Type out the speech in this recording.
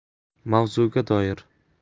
mavzuga doir